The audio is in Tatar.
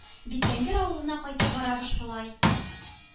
Битләнгер авылына кайтып барабыз шулай,